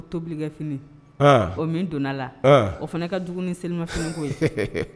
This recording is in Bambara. O tobilikɛf o min donna la o fana ne ka jugu ni selima finiko ye